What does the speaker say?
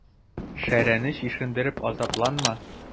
Шәрәне чишендереп азапланма.